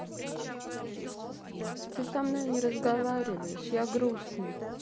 ты со мной не разговариваешь я грустный